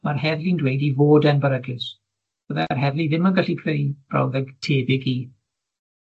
ma'r heddlu'n dweud 'i fod e'n beryglus, bydde'r heddlu ddim yn gallu creu brawddeg tebyg i